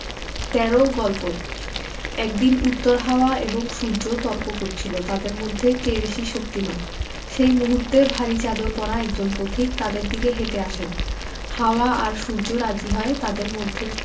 ১৩ গল্প একদিন উত্তর হাওয়া এবং সূর্য তর্ক করছিল তাদের মধ্যে কে বেশি শক্তিমান সেই মুহূর্তে ভারি চাদর পরা একজন পথিক তাদের দিকে হেটে আসেন হাওয়া আর সূর্য রাজি হয় তাদের মধ্যে